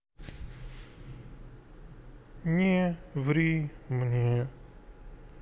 не ври мне